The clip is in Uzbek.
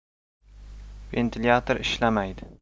ventilyator ishlamaydi